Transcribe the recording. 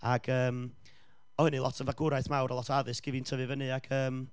ac yym, oedd hynny'n lot o fagwraeth mawr, a lot o addysg i fi'n tyfu fyny, ac yym,